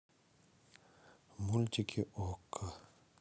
мультики окко